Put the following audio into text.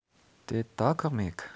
དེ ད ཁག མེད གི